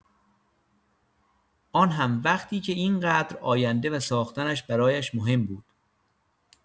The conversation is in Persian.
آن هم وقتی که این‌قدر آینده و ساختنش برایش مهم بود؟